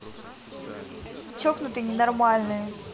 чокнутые и ненормальные